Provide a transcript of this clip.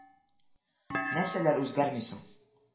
Нәрсәләр үзгәрми соң